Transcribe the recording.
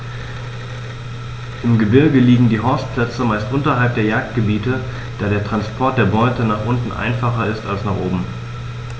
Im Gebirge liegen die Horstplätze meist unterhalb der Jagdgebiete, da der Transport der Beute nach unten einfacher ist als nach oben.